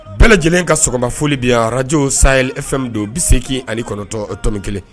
Bɛɛ lajɛlen ka sɔgɔma foli bi arajow sa ye fɛn don bi seeki ani kɔnɔntɔn to kelen